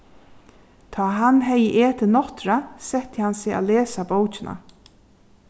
tá hann hevði etið nátturða setti hann seg at lesa bókina